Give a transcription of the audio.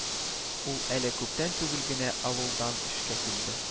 Ул әле күптән түгел генә авылдан эшкә килде